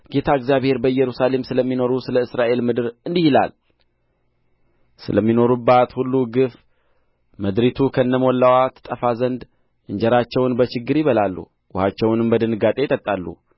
ጌታ እግዚአብሔር በኢየሩሳሌም ስለሚኖሩ ስለ እስራኤልም ምድር እንዲህ ይላል ስለሚኖሩባት ሁሉ ግፍ ምድሪቱ ከነሞላዋ ትጠፋ ዘንድ እንጀራቸውን በችግር ይበላሉ ወኃቸውንም በድንጋጤ ይጠጣሉ